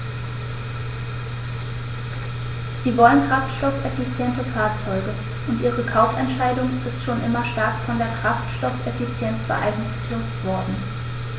Sie wollen kraftstoffeffiziente Fahrzeuge, und ihre Kaufentscheidung ist schon immer stark von der Kraftstoffeffizienz beeinflusst worden.